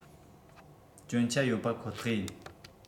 སྐྱོན ཆ ཡོད པ ཁོ ཐག ཡིན